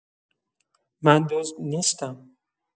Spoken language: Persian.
من دزد نیستم.